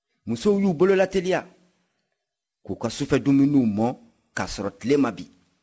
musow y'u bolo lateliya k'u ka sufɛdumuni mɔ k'a sɔrɔ tile ma bin